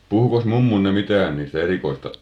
puhuikos mummonne mitään niistä erikoista